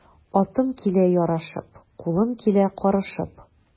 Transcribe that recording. Атым килә ярашып, кулым килә карышып.